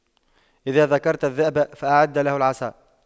إذا ذكرت الذئب فأعد له العصا